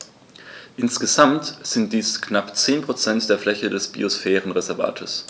Insgesamt sind dies knapp 10 % der Fläche des Biosphärenreservates.